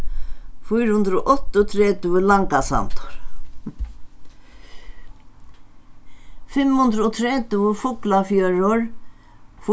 fýra hundrað og áttaogtretivu langasandur fimm hundrað og tretivu fuglafjørður